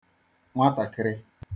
nwatàkịrị